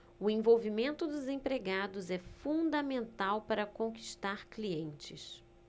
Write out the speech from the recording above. o envolvimento dos empregados é fundamental para conquistar clientes